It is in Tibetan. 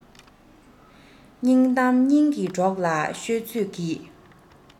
སྙིང གཏམ སྙིང གི གྲོགས ལ ཤོད ཚོད གྱིས